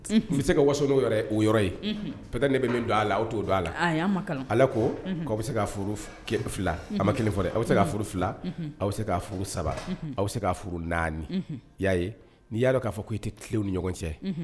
N bɛ se ka waso n'o o yɔrɔ ye pɛte ne bɛ min don a la aw to' don a la ala ko aw bɛ se a ma kelen fɔ aw bɛ se ka furu fila aw bɛ se k' furu saba aw bɛ se k'a furu naani y'a ye n'i y yaa dɔn' fɔ ko i tɛ tile ni ɲɔgɔn cɛ